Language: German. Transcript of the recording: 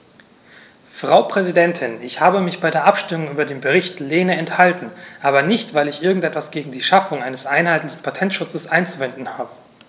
Frau Präsidentin, ich habe mich bei der Abstimmung über den Bericht Lehne enthalten, aber nicht, weil ich irgend etwas gegen die Schaffung eines einheitlichen Patentschutzes einzuwenden habe.